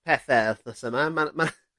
pethe wthnos ma'r ma'...